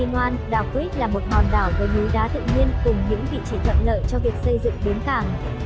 đảo crete là một hòn đảo với núi đá tự nhiên cùng những vị trị thuận lợi cho việc xây dựng bến cảng